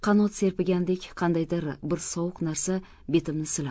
qanot serpigandek qandaydir bir sovuq narsa betimni silab o'tdi